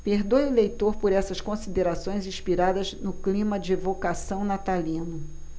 perdoe o leitor por essas considerações inspiradas no clima de evocação natalino